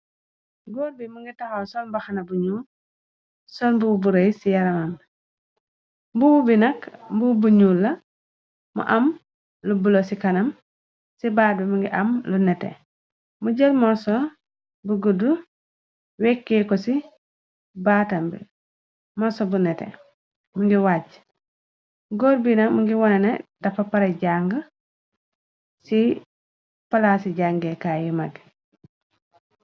góor bi mu ngi taxaw sol mbaxana buñu sol mbuw bu rëy ci yaramamb mbuubu bi nak mbu bu ñuul la mu am lu bulo ci kanam ci baat bi mi ngi am lu nete mu jël morso bu gudd wekkee ko ci baatambi morso bu nete mu ngi wàjj góor bi na mi ngi wonane dafa para jàng ci palaa ci jàngeekaay yu mag